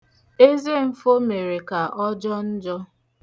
Ezemfo mere ka ọ jọ njọ.